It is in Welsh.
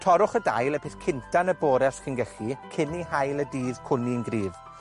Torrwch y dail y peth cynta yn y bore os chi'n gellu, cyn i haul y dydd cwnni'n gryf.